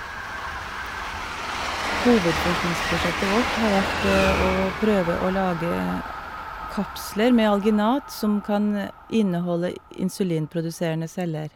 Hovedforskningsprosjektet vårt har vært å prøve å lage kapsler med alginat som kan inneholde insulinproduserende celler.